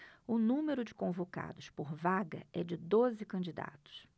o número de convocados por vaga é de doze candidatos